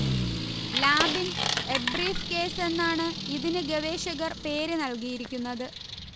lab in a briefcase എന്നാണു ഇതിനു ഗവേഷകർ പേര് നല്കിയിരിക്കുന്നത്